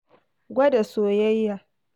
Gwada soyayya."